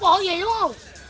bộ vậy đúng hông